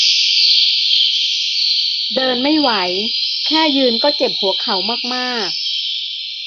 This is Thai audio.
เดินไม่ไหวแค่ยืนก็เจ็บหัวเข่ามากมาก